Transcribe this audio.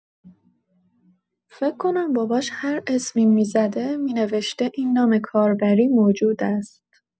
فک کنم باباش هر اسمی میزده مینوشته این نام کاربری موجود است.